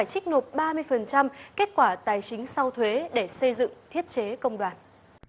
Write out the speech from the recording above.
trích nộp ba mươi phần trăm kết quả tài chính sau thuế để xây dựng thiết chế công đoàn